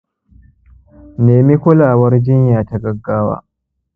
nemi kulawar jinya ta gaggawa